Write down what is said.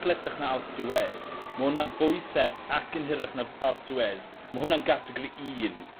gletach na Alpe d'Hhuez. Ma' wnna'n fwy serth ac yn hirach na Alpe d'Huez. A ma' hwnna'n gategori un.